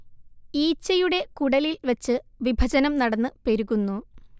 ഈച്ചയുടെ കുടലിൽ വച്ച് വിഭജനം നടന്ന് പെരുകുന്നു